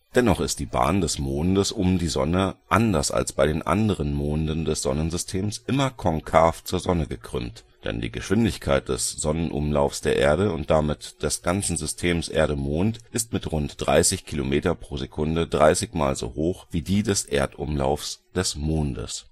Dennoch ist die Bahn des Mondes um die Sonne anders als bei den anderen Monden des Sonnensystems immer konkav zur Sonne gekrümmt. Denn die Geschwindigkeit des Sonnenumlaufs der Erde und damit des ganzen Systems Erde-Mond ist mit rund 30 km/s 30 Mal so hoch wie die des Erdumlaufs des Mondes